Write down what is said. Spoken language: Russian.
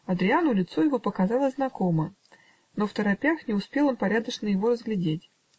Адрияну лицо его показалось знакомо, но второпях не успел он порядочно его разглядеть.